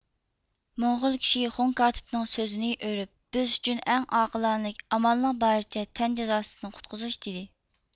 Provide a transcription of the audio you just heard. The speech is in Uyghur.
موڭغۇل كىشى خۇاڭ كاتىپنڭ سۆزىنى ئۆرۈپ بىز ئۈچۈن ئەڭ ئاقلانىلىك ئامالنىڭ بارىچە تەن جازاسىدىن قۇتقۇزۇش دىدى